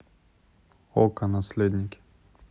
окко наследники